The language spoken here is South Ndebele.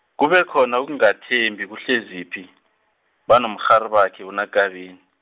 kube khona ukungathembi kuHleziphi , banomrharibakhe uNaKabini.